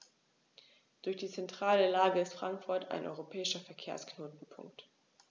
Durch die zentrale Lage ist Frankfurt ein europäischer Verkehrsknotenpunkt.